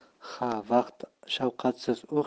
ha vaqt shafqatsiz u